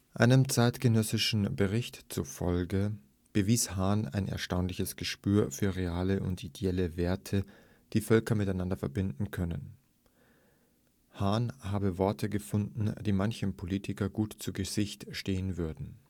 Einem zeitgenössischen Bericht zufolge bewies Hahn ‚ ein erstaunliches Gespür für reale und ideale Werte, die Völker miteinander verbinden können ‘. Otto Hahn habe Worte gefunden, die manchem Politiker gut zu Gesicht stehen würden